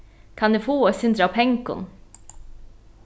kann eg fáa eitt sindur av pengum